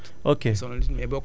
ah mais donc du sonal nit daal